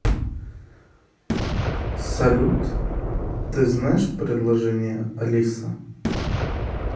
салют ты знаешь приложение алиса